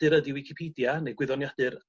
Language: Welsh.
gwyddoniadur ydi Wicipedia ne' gwyddoniadur